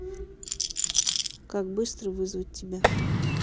как быстро вызвать тебя